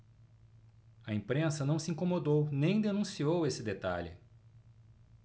a imprensa não se incomodou nem denunciou esse detalhe